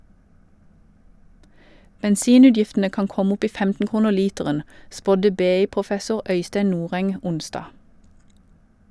Bensinutgiftene kan komme opp i 15 kroner literen, spådde BI-professor Øystein Noreng onsdag.